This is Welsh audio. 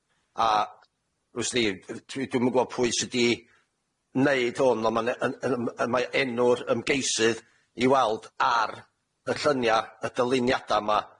A w'st di, d- dwi dwi'm yn gw'o' pwy sy 'di neud hwn on' ma' 'ne yn yym y mae enw'r ymgeisydd i weld ar y llynia y dyluniada' 'ma.